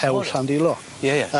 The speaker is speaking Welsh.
Hewl Llandilo. Ie ie.